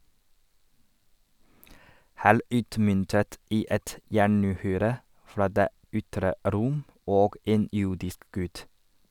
Her utmyntet i et jernuhyre fra det ytre rom og en jordisk gutt.